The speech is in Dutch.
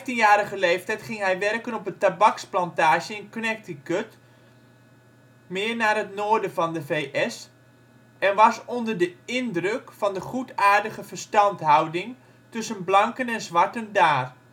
15-jarige leeftijd ging hij werken op een tabaksplantage in Connecticut, meer naar het noorden van de V.S., en was onder de indruk van de goedaardige verstandhouding tussen blanken en zwarten daar. In